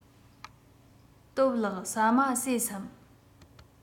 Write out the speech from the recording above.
སྟོབས ལགས ཟ མ ཟོས སམ